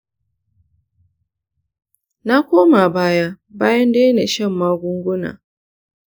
na koma baya bayan daina shan magunguna.